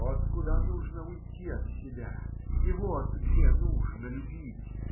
Вот куда нужно уйти от себя и вот где нужно любить.